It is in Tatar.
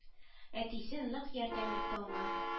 Әтисе нык ярдәм итте аңа